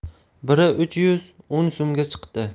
biri uch yuz o'n so'mga chiqdi